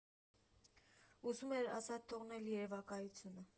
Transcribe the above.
Ուզում էր ազատ թողնել երևակայությանը։